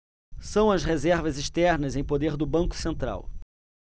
são as reservas externas em poder do banco central